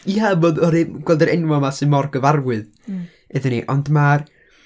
Ia, a ma' ri- gweld yr enwau ma' sy' mor gyfarwydd iddyn ni, ond ma'r...